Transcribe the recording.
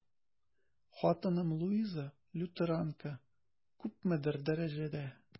Хатыным Луиза, лютеранка, күпмедер дәрәҗәдә...